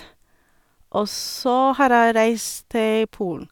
Og så har jeg reist til Polen.